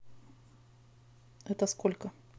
это сколько